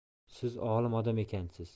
siz olim odam ekansiz